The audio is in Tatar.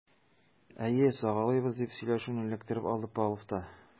Әйе, сагалыйбыз, - дип сөйләшүне эләктереп алды Павлов та.